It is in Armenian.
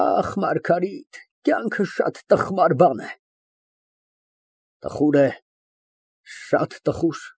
Ախ, Մարգարիտ, կյանքը շատ տխմար բան է։ (Քիչ լռում է). Տխուր է, շատ տխուր։